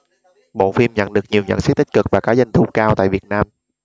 bộ phim nhận được nhiều nhận xét tích cực và có doanh thu cao tại việt nam